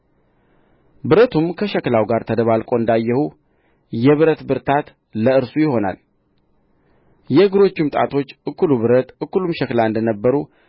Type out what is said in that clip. ብረቱም ከሸክላው ጋር ተደባልቆ እንዳየሁ የብረት ብርታት ለእርሱ ይሆናል የእግሮቹም ጣቶች እኩሉ ብረት እኩሉም ሸክላ እንደ ነበሩ